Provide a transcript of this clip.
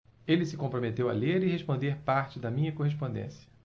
ele se comprometeu a ler e responder parte da minha correspondência